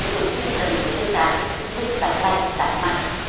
lãnh thụ tinh thần của tây tạng đức đạt lai đạt ma